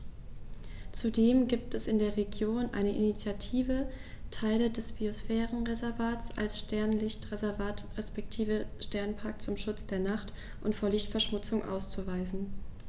Zudem gibt es in der Region eine Initiative, Teile des Biosphärenreservats als Sternenlicht-Reservat respektive Sternenpark zum Schutz der Nacht und vor Lichtverschmutzung auszuweisen.